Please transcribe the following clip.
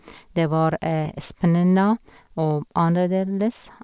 Det var spennende og annerledes.